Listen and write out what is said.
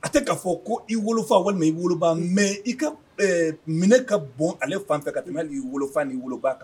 A tɛ ka fɔ ko i wolofa walima i woloba. Mais i ka minɛ ka bon ale fan fɛ ka tɛmɛ hali i wolo fa ni woloba kan.